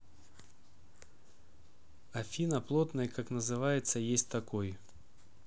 афина плотной как называется есть такой